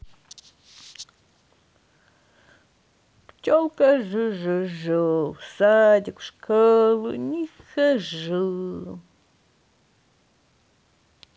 пчелка жу жу жу в садик в школу не хожу